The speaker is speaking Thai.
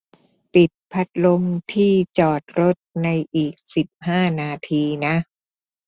ปิดพัดลมที่จอดรถในอีกสิบห้านาทีนะ